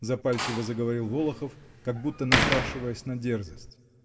— запальчиво заговорил Волохов, как будто напрашиваясь на дерзость.